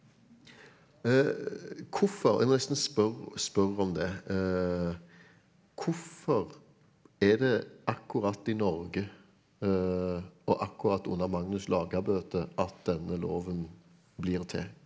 hvorfor jeg må nesten spørre spørre om det hvorfor er det akkurat i Norge og akkurat under Magnus Lagabøte at denne loven blir til?